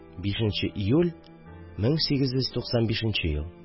5 нче июль, 1895 ел